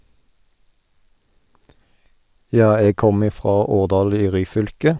Ja, jeg kommer ifra Årdal i Ryfylke.